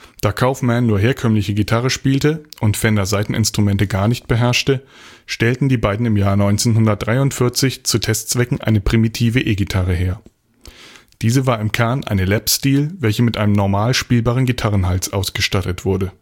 Da Kaufmann nur herkömmliche Gitarre spielte und Fender Saiteninstrumente gar nicht beherrschte, stellten die beiden im Jahr 1943 zu Testzwecken eine primitive E-Gitarre her. Diese war im Kern eine Lapsteel, welche mit einem normal spielbaren Gitarrenhals ausgestattet wurde